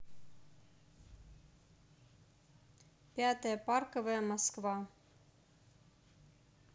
пятая парковая москва